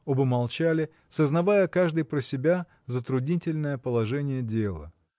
Оба молчали, сознавая каждый про себя затруднительное положение дела.